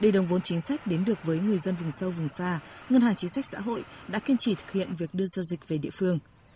di động vốn chính sách đến được với người dân vùng sâu vùng xa ngân hàng chính sách xã hội đã kiên trì thực hiện việc đưa giao dịch về địa phương